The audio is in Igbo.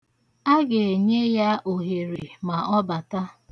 Aga-enye ya ohere ma ọ bata.